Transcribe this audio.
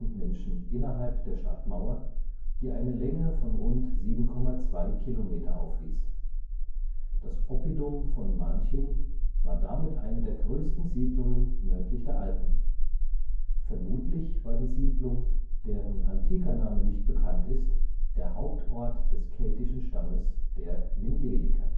Menschen innerhalb der Stadtmauer, die eine Länge von rund 7,2 Kilometer aufwies. Das Oppidum von Manching war damit eine der größten Siedlungen nördlich der Alpen. Vermutlich war die Siedlung, deren antiker Name nicht bekannt ist, der Hauptort des keltischen Stammes der Vindeliker